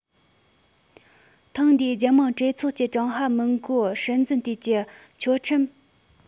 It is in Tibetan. ཐེངས འདིའི རྒྱལ དམངས གྲོས ཚོགས ཀྱིས ཀྲུང ཧྭ མིན གོའི སྲིད འཛིན དུས ཀྱི ཆོད ཁྲིམས གཏན དུ ཕབ ཅིང